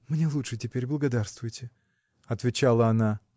-- Мне лучше теперь, благодарствуйте, -- отвечала она.